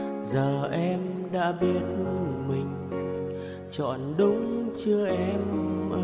giờ em đã biết mình chọn đúng chưa em ơi